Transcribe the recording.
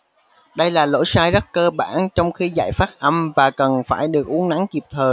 đây là lỗi sai rất cơ bản trong khi dạy phát âm và cần phải được uốn nắn kịp thời